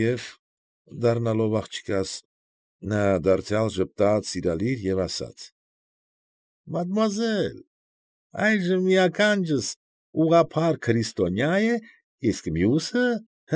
Եվ, դառնալով աղջկաս, նա դարձյալ ժպտաց սիրալիր և ասաց. ֊ Մադմուազել, այժմ մի ականջս ուղղափառ քրիստոնյա է, իսկ մյուսը՝